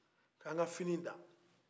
ko an ka fini dan